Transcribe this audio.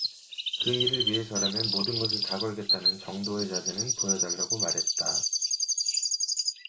그 일을 위해서라면 모든 것을 다 걸겠다는 정도의 자세는 보여달라고 말했다